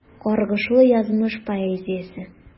Каргышлы язмыш поэзиясе.